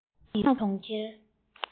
རྒྱ ནག གི གྲོང ཁྱེར